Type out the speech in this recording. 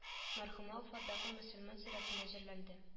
Мәрхүмә уфадагы мөселман зиратында җирләнде